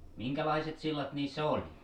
minkälaiset sillat niissä oli